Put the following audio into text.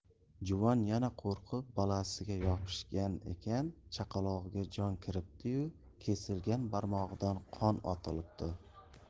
juvon yana qo'rqib bolasiga yopishgan ekan chaqalog'iga jon kiribdi yu kesilgan barmog'idan qon otilibdi